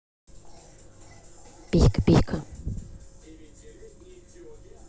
писька писька